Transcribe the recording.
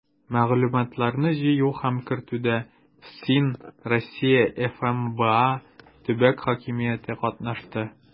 Мәгълүматларны җыю һәм кертүдә ФСИН, Россия ФМБА, төбәк хакимияте катнашты.